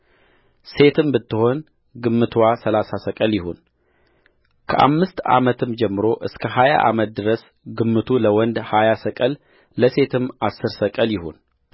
ሴትም ብትሆን ግምትዋ ሠላሳ ሰቅል ይሁንከአምስት ዓመትም ጀምሮ እስከ ሀያ ዓመት ድረስ ግምቱ ለወንድ ሀያ ሰቅል ለሴትም አሥር ሰቅል ይሁን